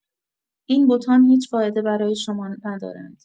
این بتان هیچ فائده برای شما ندارند.